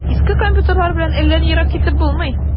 Иске компьютерлар белән әллә ни ерак китеп булмый.